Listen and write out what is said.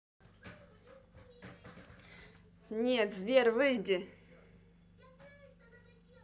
нет сбер выйди